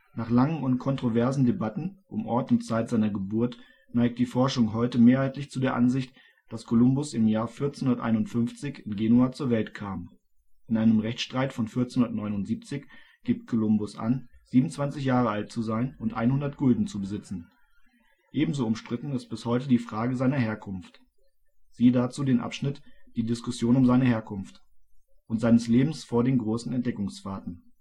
Nach langen und kontroversen Debatten um Ort und Zeit seiner Geburt, neigt die Forschung heute mehrheitlich zu der Ansicht, dass Kolumbus im Jahr 1451 in Genua zur Welt kam. In einem Rechtsstreit von 1479 gibt Kolumbus an, 27 Jahre alt zu sein und 100 Gulden zu besitzen. Ebenso umstritten ist bis heute die Frage seiner Herkunft (siehe den Abschnitt Die Diskussion um seine Herkunft) und seines Lebens vor den großen Entdeckungsfahrten